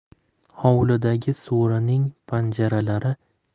hovlidagi so'rining panjaralari